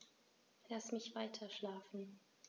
Lass mich weiterschlafen.